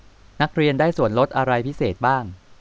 นักเรียนได้ส่วนลดอะไรพิเศษบ้าง